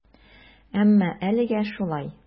Әмма әлегә шулай.